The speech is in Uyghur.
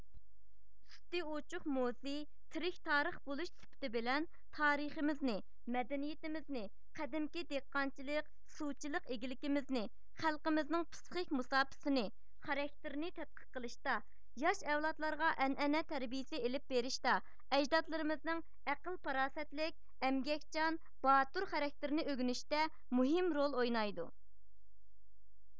ئۈستى ئۇچۇق موزىي تىرىك تارىخ بولۇش سۈپىتى بىلەن تارىخىمىزنى مەدەنىيىتىمىزنى قەدىمكى دېھقانچىلىق سۇچىلىق ئىگىلىكىمىزنى خەلقىمىزنىڭ پىسخىك مۇساپىسىنى خاراكتىرنى تەتقىق قىلىشتا ياش ئەۋلادلارغا ئەنئەنە تەربىيىسى ئېلىپ بېرىشتا ئەجدادلىرىمىزنىڭ ئەقىل پاراسەتلىك ئەمگەكچان باتۇر خاراكتېرىنى ئۆگىنىشىتە مۇھىم رول ئوينايدۇ